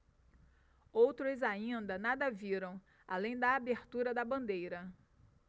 outros ainda nada viram além da abertura da bandeira